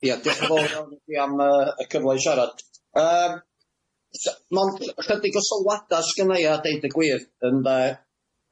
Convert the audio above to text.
Ia diolch yn fowr iawn i chi am yy y cyfle i siarad yym s- mond ychydig o sylwada sy gynna i a deud y gwir ynde?